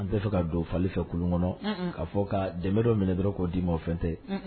An bɛ fɛ ka don falenli fɛ kolon kɔnɔ ka fɔ ka dɛmɛ dɔ minɛ dɔrɔn k'o di ma o fɛ tɛ